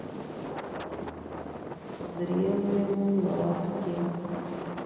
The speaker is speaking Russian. зрелые мулатки